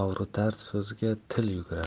og'ritar so'zga til yugurar